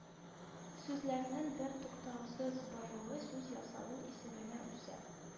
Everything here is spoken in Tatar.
Сүзләрнең бертуктаусыз баюы, сүз ясалу исәбенә үсә»